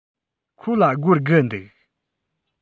ཁོ ལ སྒོར དགུ འདུག